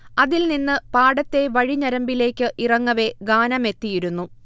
അതിൽ നിന്ന് പാടത്തെ വഴിഞരമ്പിലേക്ക് ഇറങ്ങവെ ഗാനമെത്തിയിരുന്നു